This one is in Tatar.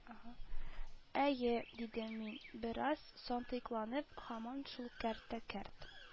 - әй, - дидем мин, бераз сантыйкланып, - һаман шул кәрт тә кәрт